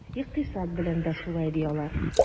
Икътисад белән дә шулай, ди алар.